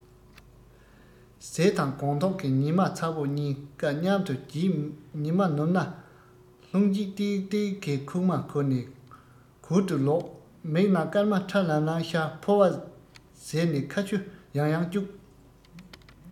ཟས དང དགོང ཐོག གི ཉི མ ཚ བོ གཉིས ཀ མཉམ དུ བརྗེད ཉི མ ནུབ ན ལྷུང ལྗིད ཏིག ཏིག གི ཁུག མ ཁུར ནས གུར དུ ལོག མིག ནང སྐར མ ཁྲ ལམ ལམ ཤར ཕོ བ གཟེར ནས ཁ ཆུ ཡང ཡང བསྐྱུགས